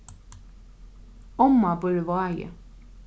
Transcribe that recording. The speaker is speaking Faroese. omma býr í vági